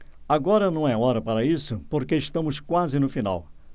agora não é hora para isso porque estamos quase na final